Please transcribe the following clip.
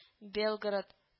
Белгород